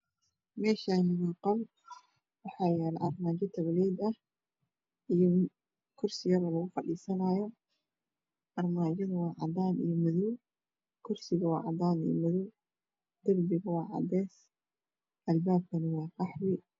Meeshaani waa qol waxaa yaale armaajo tabaleet ahiyo kursi yar oo lagu fadhiisanaayo armaaja waa cadaan iyo madow kursiga waa cadaan iyo madow darbiga waa cadays albaabkana waa qaxwi